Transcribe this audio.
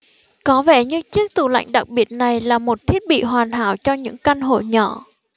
có vẻ như chiếc tủ lạnh đặc biệt này là một thiết bị hoàn hảo cho những căn hộ nhỏ